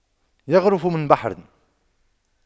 يَغْرِفُ من بحر